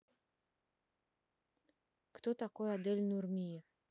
кто такой адель нурмиев